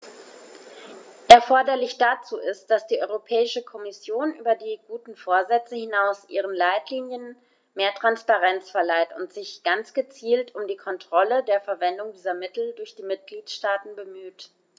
Erforderlich dazu ist, dass die Europäische Kommission über die guten Vorsätze hinaus ihren Leitlinien mehr Transparenz verleiht und sich ganz gezielt um die Kontrolle der Verwendung dieser Mittel durch die Mitgliedstaaten bemüht.